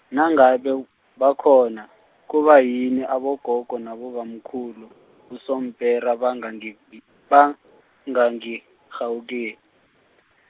nangabe , bakhona, kubayini abogogo nabobamkhulu , uSoMpera bangangi-, ngi- bangangirhawuke-.